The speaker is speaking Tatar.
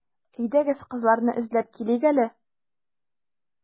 Әйдәгез, кызларны эзләп килик әле.